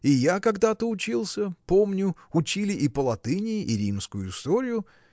И я когда-то учился; помню, учили и по-латыни и римскую историю.